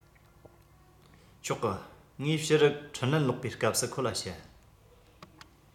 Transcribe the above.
ཆོག གི ངས ཕྱིར འཕྲིན ལན ལོག པའི སྐབས སུ ཁོ ལ བཤད